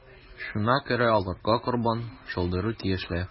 Шуңа күрә аларга корбан чалдыру тиешле.